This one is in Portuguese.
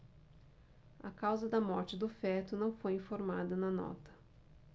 a causa da morte do feto não foi informada na nota